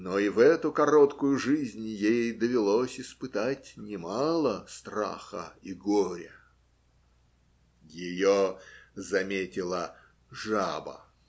Но и в эту короткую жизнь ей довелось испытать немало страха и горя. Ее заметила жаба.